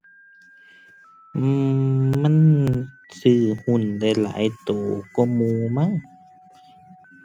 อือ มันซื้อหุ้นได้หลายโตกว่าหมู่มั้ง